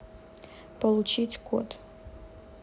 получить код